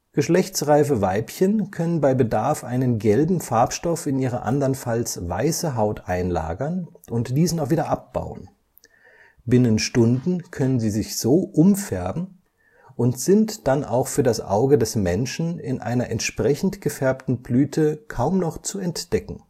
Geschlechtsreife Weibchen können bei Bedarf einen gelben Farbstoff in ihre andernfalls weiße Haut einlagern und diesen auch wieder abbauen. Binnen Stunden können sie sich so umfärben und sind dann auch für das Auge des Menschen in einer entsprechend gefärbten Blüte kaum noch zu entdecken